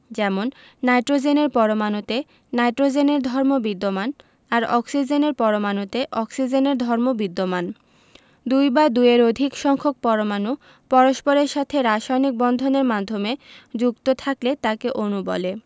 যেমন নাইট্রোজেনের পরমাণুতে নাইট্রোজেনের ধর্ম বিদ্যমান আর অক্সিজেনের পরমাণুতে অক্সিজেনের ধর্ম বিদ্যমান দুই বা দুইয়ের অধিক সংখ্যক পরমাণু পরস্পরের সাথে রাসায়নিক বন্ধন এর মাধ্যমে যুক্ত থাকলে তাকে অণু বলে